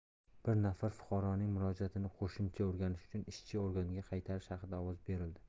bir nafar fuqaroning murojaatini qo'shimcha o'rganish uchun ishchi organga qaytarish haqida ovoz berildi